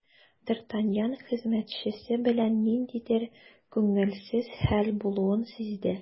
Д’Артаньян хезмәтчесе белән ниндидер күңелсез хәл булуын сизде.